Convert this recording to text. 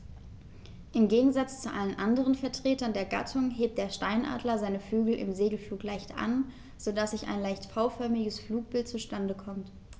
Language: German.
Im Gegensatz zu allen anderen Vertretern der Gattung hebt der Steinadler seine Flügel im Segelflug leicht an, so dass ein leicht V-förmiges Flugbild zustande kommt.